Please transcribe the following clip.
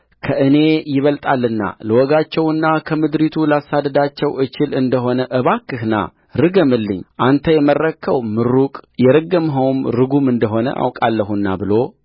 ከእኔ ይበልጣልና ልወጋቸውና ከምድሪቱ ላሳድዳቸው እችል እንደ ሆነ እባክህ ና ርገምልኝ አንተ የመረቅኸው ምሩቅ የረገምኸውም ርጉም እንደ ሆነ አውቃለሁና ብሎ